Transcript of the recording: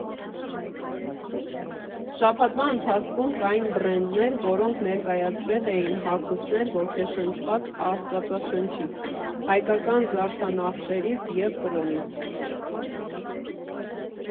Շաբաթվա ընթացքում կային բրենդներ, որոնք ներկայացրել էին հագուստներ ոգեշնչված Աստվածաշնչից, հայկական զարդանախշերից և կրոնից։